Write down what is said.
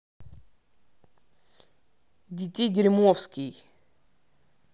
детей дерьмовский